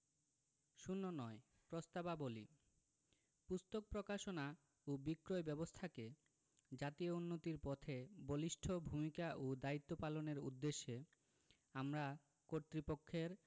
০৯ প্রস্তাবাবলী পুস্তক প্রকাশনা ও বিক্রয় ব্যাবস্থাকে জাতীয় উন্নতির পথে বলিষ্ঠ ভূমিকা ও দায়িত্ব পালনের উদ্দেশ্যে আমরা কর্তৃপক্ষের